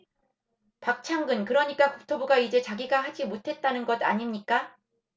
박창근 그러니까 국토부가 이제 자기가 하지 못하겠다는 것 아닙니까